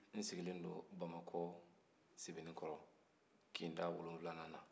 n sigilen don bamakɔ sebenikɔrɔ